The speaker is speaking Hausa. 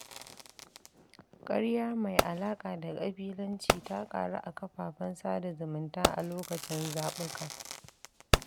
ƙarya mai alaƙa da ƙabilanci ta ƙaru a kafafen sada zumunta a lokacin zaɓuka.